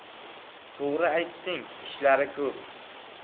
to'g'ri aytding ishlarim ko'p